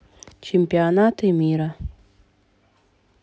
чемпионаты мира